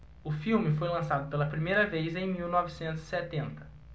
o filme foi lançado pela primeira vez em mil novecentos e setenta